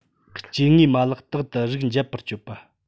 སྐྱེ དངོས མ ལག རྟག ཏུ རིགས འབྱེད པར སྤྱོད པ